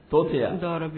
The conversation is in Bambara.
To fɛ yan tɔɔrɔ